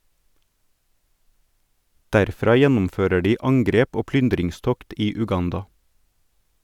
Derfra gjennomfører de angrep og plyndringstokt i Uganda.